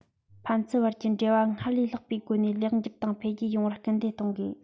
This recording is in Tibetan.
ཕན ཚུན བར གྱི འབྲེལ བ སྔར ལས ལྷག པའི སྒོ ནས ལེགས འགྱུར དང འཕེལ རྒྱས ཡོང བར སྐུལ འདེད གཏོང དགོས